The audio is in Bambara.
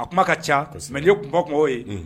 A kuma ka ca mɛ kunba kungo ye